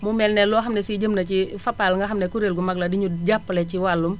mu mel ne loo xam ne si jëm na cii Fapal nga xam ne kuréel gu mag la diñu jàppale ci wàllum